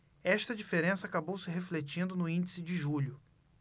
esta diferença acabou se refletindo no índice de julho